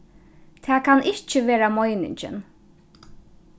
tað kann ikki vera meiningin